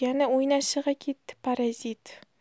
yana uynashig'a kitti parazit